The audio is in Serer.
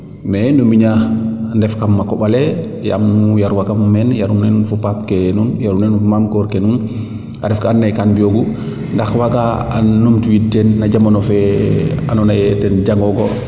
mais nu miña ndef kama koɓale yaam nu yarwa meene nu yaru neen fo paap ke nuun yaru neen fo mame koor ke nuun a ref ka and naye kan mbiyo gu ndax waaga nu numtu wiid teen no jamano fee ando naye ten jangogo